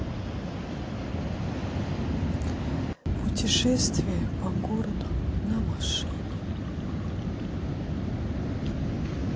путешествие по городу на машине